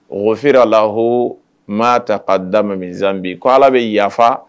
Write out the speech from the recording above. Okɔfiralahu ma ta kadama misanbi ko Ala bɛ yafa